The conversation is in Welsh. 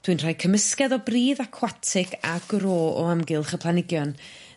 Dwi'n rhoi cymysgedd o bridd aquatic a gro o amgylch y planhigion